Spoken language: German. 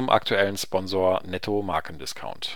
aktuellen Sponsor Netto Marken-Discount